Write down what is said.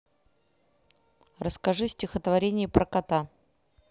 расскажи стихотворение про кота